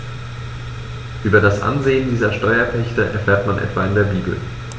Über das Ansehen dieser Steuerpächter erfährt man etwa in der Bibel.